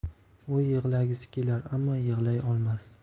u yig'lagisi kelar ammo yig'lay olmas